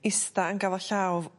Ista yn gafal llaw